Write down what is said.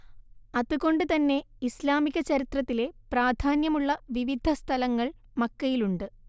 അത് കൊണ്ട് തന്നെ ഇസ്‌ലാമിക ചരിത്രത്തിലെ പ്രാധാന്യമുള്ള വിവിധ സ്ഥലങ്ങൾ മക്കയിലുണ്ട്